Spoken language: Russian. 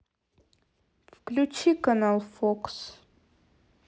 включи канал фокс